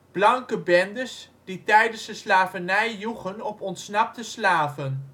Blanke bendes die tijdens de slavernij joegen op ontsnapte slaven